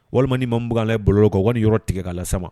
Walima ma m b'ale bolo kan wale yɔrɔ tigɛ kaa la sa